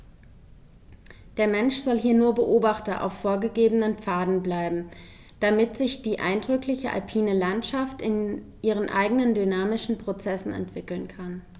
Der Mensch soll hier nur Beobachter auf vorgegebenen Pfaden bleiben, damit sich die eindrückliche alpine Landschaft in ihren eigenen dynamischen Prozessen entwickeln kann.